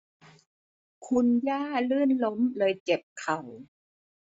คุณย่าลื่นล้มเลยเจ็บเข่า